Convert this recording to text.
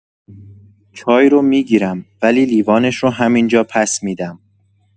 چای رو می‌گیرم، ولی لیوانش رو همین‌جا پس می‌دم.